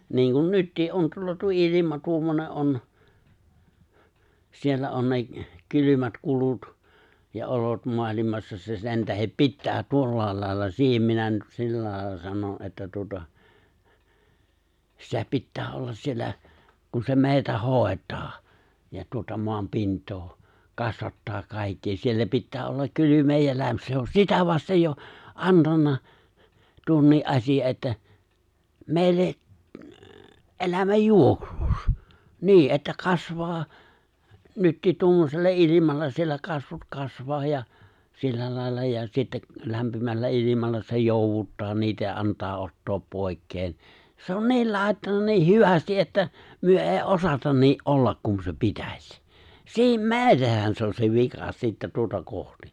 niin kuin nyt on tuolla tuo ilma tuommoinen on siellä on ne kylmät kulut ja olot maailmassa se sen tähden pitää tuolla lailla siihen minä nyt sillä lailla sanon että tuota sitä pitää olla siellä kun se meitä hoitaa ja tuota maan pintaa kasvattaa kaikki siellä pitää olla kylmää ja - se on sitä vasten jo antanut tuonkin asian että meille elämänjuoksussa niin että kasvaa nytkin tuommoisella ilmalla siellä kasvut kasvaa ja sillä lailla ja sitten lämpimällä ilmalla se jouduttaa niitä ja antaa ottaa pois se on niillä laittanut niin hyvin että me ei osata niin olla kuin se pitäisi - meidänhän se on se vika sitten tuota kohti